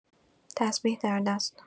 تسبیح در دست